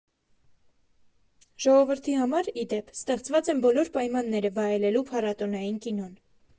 Ժողովրդի համար, ի դեպ, ստեղծված են բոլոր պայմանները վայելելու փառատոնային կինոն։